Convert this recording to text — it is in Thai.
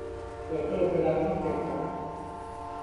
เปิดพัดลมเพดานห้องเก็บของ